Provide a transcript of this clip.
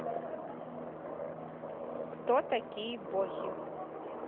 кто такие бохи